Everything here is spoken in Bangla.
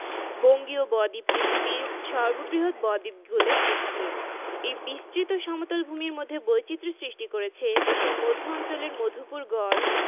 বঙ্গীয় বদ্বীপ পৃথিবীর সর্ববৃহৎ বদ্বীপগুলোর একটি এই বিস্তৃত সমতল ভূমির মধ্যে বৈচিত্র্য সৃষ্টি করেছে দেশের মধ্য অঞ্চলের মধুপুর গড়